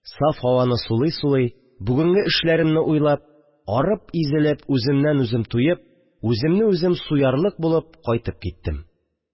Саф һаваны сулый-сулый, бүгенге эшләремне уйлап, арып-изелеп, үземнән үзем туеп, үземне үзем суярлык булып кайтып киттем